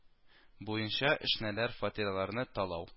Буенча, әшнәләр фатирларны талау